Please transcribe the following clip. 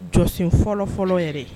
Jɔsi fɔlɔ fɔlɔ yɛrɛ